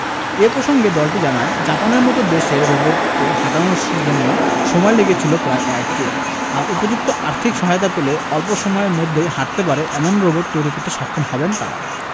এ প্রসঙ্গে দলটি জানায় জাপানের মতো দেশে রোবটকে হাঁটানোর জন্য সময় লেগেছিল প্রায় এক যুগ আর উপযুক্ত আর্থিক সহায়তা পেলে অল্প সময়ের মধ্যেই হাঁটতে পারে এমন রোবট তৈরি করতে সক্ষম হবেন তারা